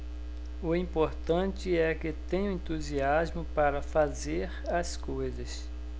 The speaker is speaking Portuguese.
o importante é que tenho entusiasmo para fazer as coisas